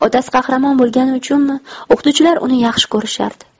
otasi qahramon bo'lgani uchunmi o'qituvchilar uni yaxshi ko'rishardi